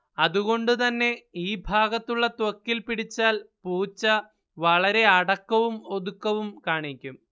അതുകൊണ്ട് തന്നെ ഈ ഭാഗത്തുള്ള ത്വക്കിൽ പിടിച്ചാൽ പൂച്ച വളരെ അടക്കവും ഒതുക്കവും കാണിക്കും